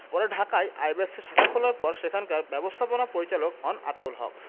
পরে ঢাকায় আইব্যাকসের শাখা খোলার পর সেখানকার ব্যবস্থাপনা পরিচালক হন আতাউল হক